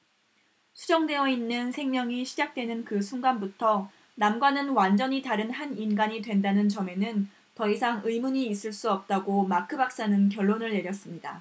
수정되어 생명이 시작되는 그 순간부터 남과는 완전히 다른 한 인간이 된다는 점에는 더 이상 의문이 있을 수 없다고 마크 박사는 결론을 내렸습니다